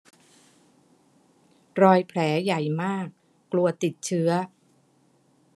รอยแผลใหญ่มากกลัวติดเชื้อ